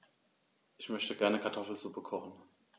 Ich möchte gerne Kartoffelsuppe kochen.